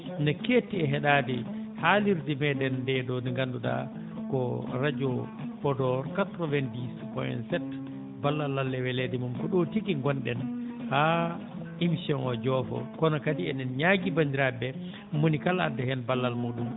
ne keetti e heɗaade haalirde meɗen ndee ɗoo nde ngannduɗaa ko radio Podor 90 POINT 7 ballal Allah e weleede mum ko ɗo tigi ngonɗen haa émission oo joofoo kono kadi eɗen ñaagii banndiraaɓe mo woni kala adda heen ballal muɗum